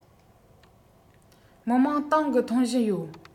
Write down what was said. མི དམངས ཏང གི ཐོན བཞིན ཡོད